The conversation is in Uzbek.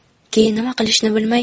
keyin nima qilishni bilmay